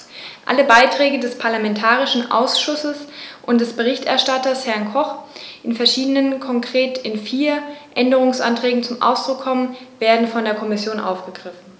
Alle Beiträge des parlamentarischen Ausschusses und des Berichterstatters, Herrn Koch, die in verschiedenen, konkret in vier, Änderungsanträgen zum Ausdruck kommen, werden von der Kommission aufgegriffen.